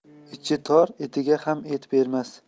ichi tor itiga ham et bermas